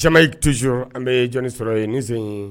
jama toyur an bɛ ye jɔnni sɔrɔ ye nin sen ye